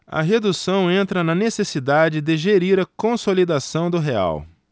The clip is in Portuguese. a redução entra na necessidade de gerir a consolidação do real